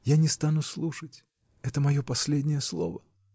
Я не стану слушать: это мое последнее слово!